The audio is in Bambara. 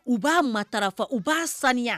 U b'a matarafa u b'a sanuya